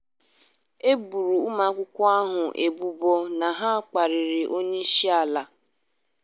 E boro ụmụakwụkwọ ahụ ebubo na ha "kparịrị onyeisiala."